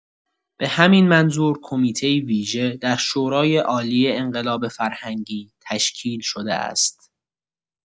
به همین منظور کمیته‌ای ویژه در شورای‌عالی انقلاب فرهنگی تشکیل شده است.